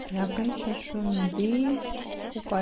Якынча шундый ук аерма.